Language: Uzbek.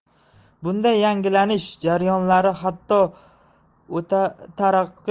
bunday yangilanish jarayonlari hatto'taraqqiy